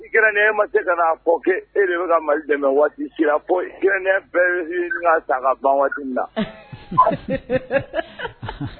Grɛn ma se ka'a fɔ kɛ e de bɛ ka mali dɛmɛ waati sira grɛn bɛɛ bɛ san ka ban waati na